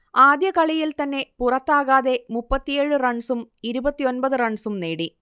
ആദ്യ കളിയിൽ തന്നെ പുറത്താകാതെ മുപ്പത്തിയേഴ് റൺസും ഇരുപത്തിയൊമ്പത് റൺസും നേടി